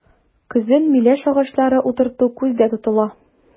Көзен миләш агачлары утырту күздә тотыла.